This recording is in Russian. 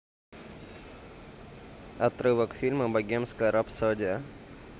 отрывок фильма богемская рапсодия